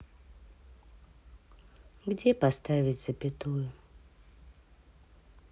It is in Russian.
где поставить запятую